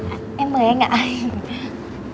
em mời anh ạ hì hì